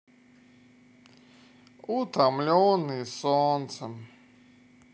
утомленные солнцем